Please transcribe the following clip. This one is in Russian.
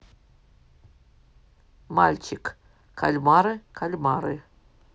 мальчик кальмары кальмары